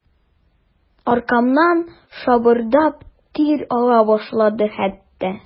Аркамнан шабырдап тир ага башлады хәтта.